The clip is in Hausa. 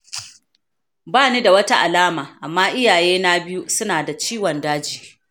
ba ni da wata alama, amma iyayena biyu suna da ciwon daji .